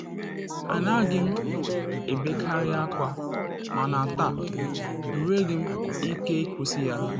“Anaghị m ebekarị akwa mana taa enweghị m ike ịkwụsị ya.